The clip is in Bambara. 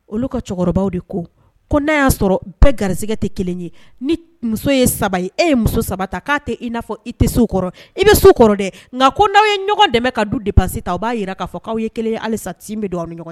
Olu ka cɛkɔrɔbaw de ko ko n'a y'a sɔrɔ bɛɛ garijɛgɛ tɛ ye ni muso ye sabali e ye muso saba ta k'a tɛ i n'a fɔ i tɛ so kɔrɔ i bɛ kɔrɔ dɛ nka ko n' ye ɲɔgɔn dɛmɛ ka du de pasi ta u b'a jira k'a fɔ aw ye kelen halisati bɛ don ɲɔgɔn